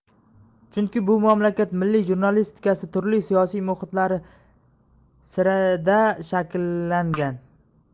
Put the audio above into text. chunki bu mamlakat milliy jurnalistikasi turli siyosiy muhitlar sirida shakllangan